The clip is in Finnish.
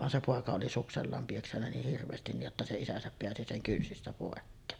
vaan se poika oli suksellaan piessyt niin hirveästi niin jotta se isänsä pääsi sen kynsistä pois